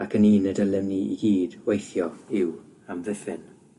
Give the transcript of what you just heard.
ac yn un y dylen ni i hyd weithio i'w hamddiffyn.